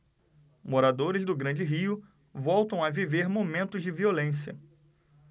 moradores do grande rio voltam a viver momentos de violência